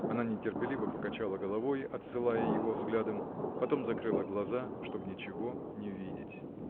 Она нетерпеливо покачала головой, отсылая его взглядом, потом закрыла глаза, чтоб ничего не видеть.